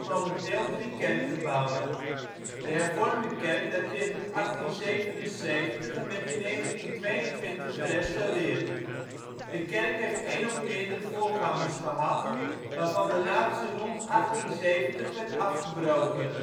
momenteel drie kerkgebouwen. De hervormde kerk dateert uit 1877 en werd in 1922 gerestaureerd. De kerk heeft een of meerdere voorgangers gehad, waarvan de laatste rond 1870 werd afgebroken.